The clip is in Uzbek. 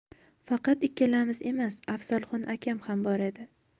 faqat ikkalamiz emas afzalxon akam ham bor edi